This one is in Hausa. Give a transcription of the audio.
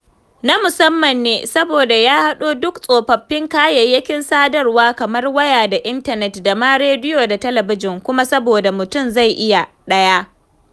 Na musamman ne saboda ya haɗo duk tsofaffin kayayyakin sadarwa, kamar waya da Intanet da ma rediyo da talabijin, kuma saboda mutum zai iya: 1.